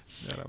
jarama